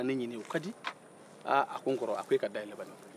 aaa a ko n kɔrɔ e ka da yɛlɛ bani kɔrɔkɛ ye da yɛlɛ